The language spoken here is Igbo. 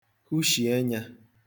hụshì enyā